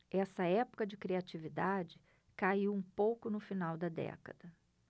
esta época de criatividade caiu um pouco no final da década